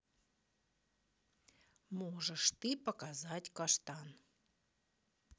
можешь ты показать каштан